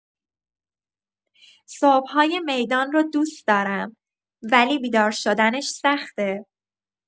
صبح‌های میدان رو دوست دارم، ولی بیدار شدنش سخته.